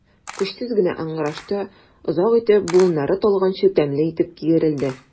Көчсез генә ыңгырашты, озак итеп, буыннары талганчы тәмле итеп киерелде.